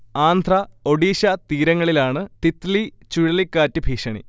ആന്ധ്ര, ഒഡീഷ തീരങ്ങളിലാണ് തിത്ലി ചുഴലിക്കാറ്റ് ഭീഷണി